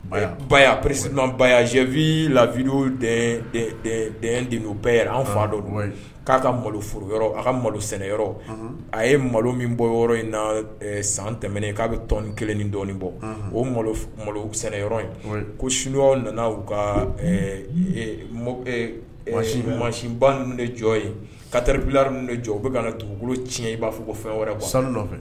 Ba psi ba ze v la de bɛɛ an fa dɔ k'a ka malooro aw ka malo sɛnɛyɔrɔ a ye malo min bɔ yɔrɔ in na san tɛmɛnen k'a bɛ tɔnɔni kelen ni dɔɔninɔni bɔ o sɛnɛ in ko sun nana kaba de jɔ ye kataribi de jɔ u bɛ ka tugu tiɲɛ i b'a fɔ ko fɛn wɛrɛ sanu nɔfɛ